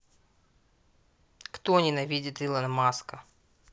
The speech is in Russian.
кто ненавидит илона маска